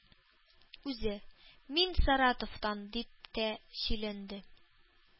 Үзе: “Мин Саратовтан”, – дип тә сөйләнде.